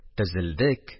Тезелдек.